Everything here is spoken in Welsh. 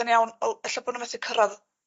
yn iawn, o, elle bo' n'w methu cyrradd